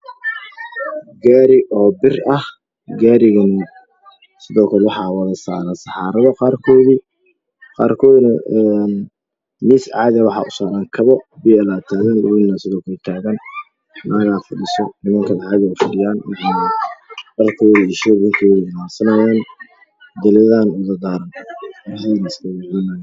Meeshaan waxaa maraayo gaari wuu saaran yahay kabo iyo boorsoyin kabaha midab koodu yihiin cadaan